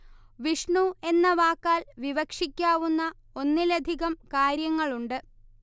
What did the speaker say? വിഷ്ണു എന്ന വാക്കാൽ വിവക്ഷിക്കാവുന്ന ഒന്നിലധികം കാര്യങ്ങളുണ്ട്